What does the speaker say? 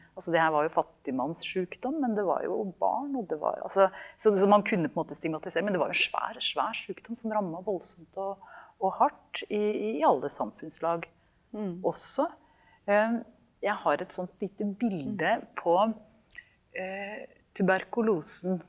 altså det her var jo fattigmannssjukdom, men det var jo barn og det var altså så så som man kunne på en måte stigmatisere, men det var jo svær svær sjukdom som ramma voldsomt og og hardt i i alle samfunnslag, også jeg har et sånt lite bilde på tuberkulosen.